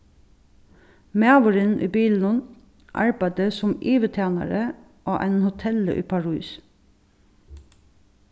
maðurin í bilinum arbeiddi sum yvirtænari á einum hotelli í parís